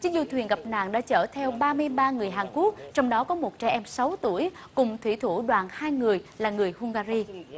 chiếc du thuyền gặp nạn đã chở theo ba mươi ba người hàn quốc trong đó có một trẻ em sáu tuổi cùng thủy thủ đoàn hai người là người hung ga ry